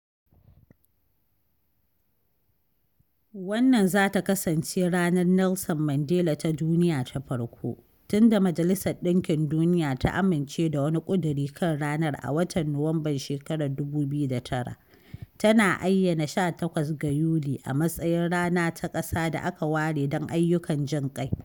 Wannan zata kasance Ranar Nelson Mandela ta Duniya ta farko, tunda Majalisar Ɗinkin Duniya ta amince da wani ƙuduri kan ranar a watan Nuwamban 2009, tana ayyana 18 ga Yuli a matsayin rana ta ƙasa da aka ware don ayyukan jinƙai.